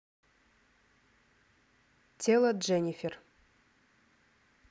тело дженнифер